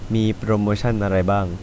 มีโปรโมชั่นอะไรบ้าง